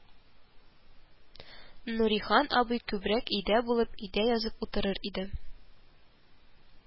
Нурихан абый күбрәк өйдә булып, өйдә язып утырыр иде